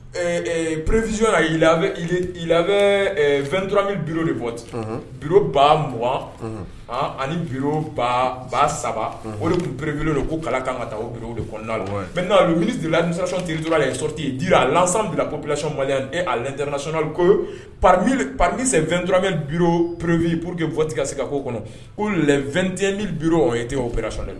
Perepzsiyla bɛ bɛturami bi de bɔti biba 2ugan ani bi ba saba o de tun perepvri don ko kalakan ka taa o de'd' minilatla yetira lasan bila psima trsona kop2turamɛ bi perep purpe bɔti ka se ka'o kɔnɔ ko 2te mi bi o tɛ oere so dɛ